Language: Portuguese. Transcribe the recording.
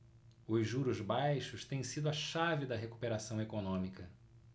os juros baixos têm sido a chave da recuperação econômica